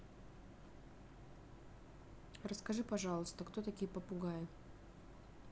расскажи пожалуйста кто такие попугаи